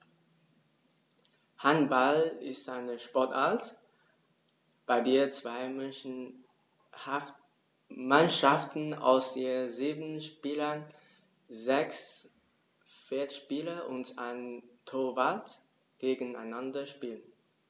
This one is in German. Handball ist eine Sportart, bei der zwei Mannschaften aus je sieben Spielern (sechs Feldspieler und ein Torwart) gegeneinander spielen.